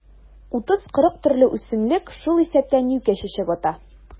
30-40 төрле үсемлек, шул исәптән юкә чәчәк ата.